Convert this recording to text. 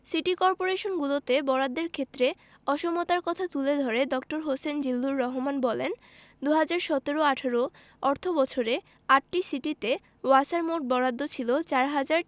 City করপোরেশনগুলোতে বরাদ্দের ক্ষেত্রে অসমতার কথা তুলে ধরে ড. হোসেন জিল্লুর রহমান বলেন ২০১৭ ১৮ অর্থবছরে আটটি সিটিতে ওয়াসার মোট বরাদ্দ ছিল ৪ হাজার